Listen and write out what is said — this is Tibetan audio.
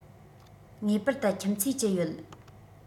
ངེས པར དུ ཁྱིམ མཚེས ཀྱི ཡོད